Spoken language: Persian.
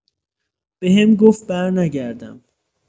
بهم گفت برنگردم.